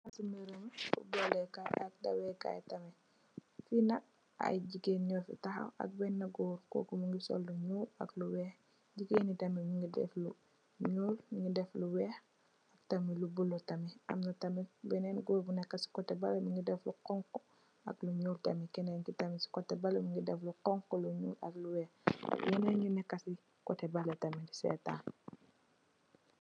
Plaasu mbirum football leh kaii ak daweh kaii tamit, fii nak aiiy gigain njur fii takhaw ak benah gorre, koku mungy sol lu njull ak lu wekh, gigain njii tamit mungy deff lu njull, njungy deff lu wekh ak tamit lu bleu tamit, amna tamit benen gorre bu neka cii coteh behleh mungy deff lu khonku ak lu njull tamit, kenen kii tamit cii coteh behleh mungy deff lu khonku lu njull ak lu wekh, ak yenen nju neka cii coteh behleh tamit dii sehtan.